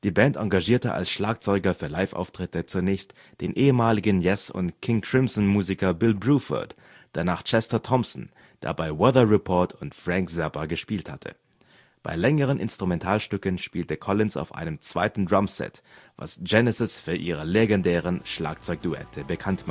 Band engagierte als Schlagzeuger für Live-Auftritte zunächst den ehemaligen Yes - und King-Crimson-Musiker Bill Bruford, danach Chester Thompson, der bei Weather Report und Frank Zappa gespielt hatte. Bei längeren Instrumental-Stücken spielte Collins auf einem zweiten Drum-Set, was Genesis für ihre legendären Schlagzeug-Duette bekannt